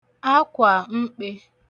akwa mkpē